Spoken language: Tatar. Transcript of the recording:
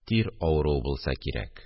Тир авыруы булса кирәк